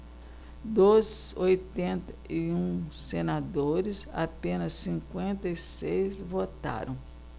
dos oitenta e um senadores apenas cinquenta e seis votaram